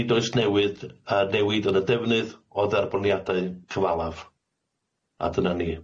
Nid oes newyd yy newid yn y defnydd o ddaerbloniadau cyfalaf a dyna ni.